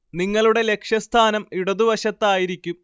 നിങ്ങളുടെ ലക്ഷ്യസ്ഥാനം ഇടതുവശത്തായിരിക്കും